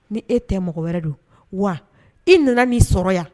Ni e tɛ mɔgɔ wɛrɛ don wa i nana'i sɔrɔ yan